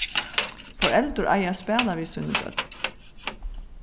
foreldur eiga at spæla við síni børn